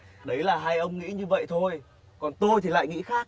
đấy là hai ông nghĩ như vậy thôi còn tôi thì lại nghĩ khác